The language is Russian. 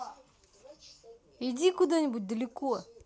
иди куда нибудь далеко